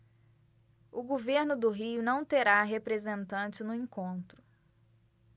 o governo do rio não terá representante no encontro